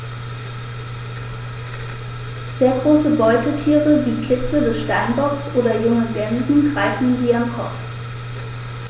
Sehr große Beutetiere wie Kitze des Steinbocks oder junge Gämsen greifen sie am Kopf.